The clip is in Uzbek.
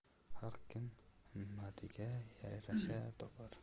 har kim himmatiga yarasha topar